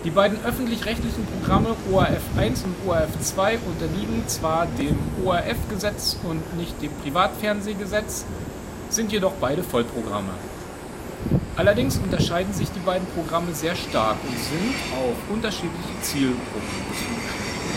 beiden öffentlich-rechtlichen Programme ORF eins und ORF 2 unterliegen zwar dem ORF-Gesetz und nicht dem Privatfernsehgesetz, sind jedoch beide Vollprogramme. Allerdings unterscheiden sich die beiden Programme sehr stark und sind auf unterschiedliche Zielgruppen zugeschnitten